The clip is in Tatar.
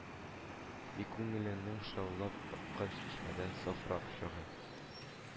И күңелнең шаулап аккан чишмәдән сафрак чагы